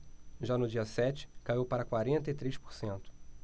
já no dia sete caiu para quarenta e três por cento